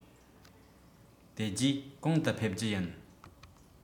དེ རྗེས གང དུ ཕེབས རྒྱུ ཡིན